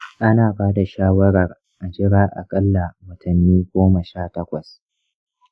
ana ba da shawarar a jira aƙalla watanni goma sha takwas.